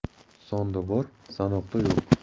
sonda bor sanoqda yo'q